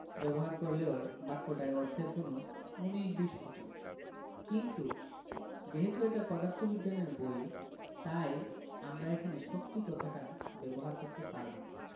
ব্যবহার করলেও বাক্যটায় অর্থের কোনো উনিশ বিশ হতো না কিন্তু যেহেতু এটা পদার্থবিজ্ঞানের বই তাই আমরা এখানে শক্তি কথাটা ব্যবহার করতে পারব না